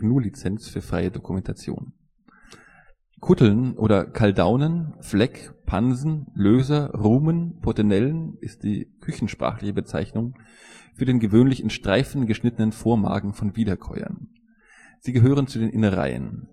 GNU Lizenz für freie Dokumentation. Kutteln oder Kaldaunen, Fleck, Pansen, Löser, Rumen, Potenellen ist die küchensprachliche Bezeichnung für den gewöhnlich in Streifen geschnittenen Vormagen von Wiederkäuern. Sie gehören zu den Innereien